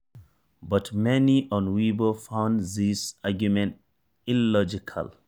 But many on Weibo found these arguments illogical.